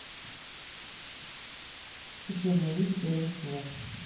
пещерные люди первая семья